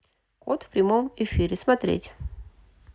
кот в прямом эфире смотреть